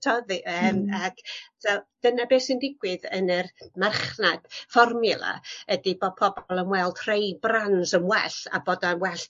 T'od fi yym ag so dyna be' sy'n digwydd yn yr marchnad fformiwla ydi 'di pobol yn weld rhei brabds yn well a bod o'n well